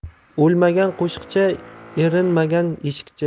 o'lmagan qo'shiqchi erinmagan eshikchi